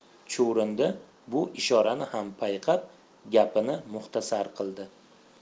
chuvrindi bu ishorani ham payqab gapini muxtasar qildi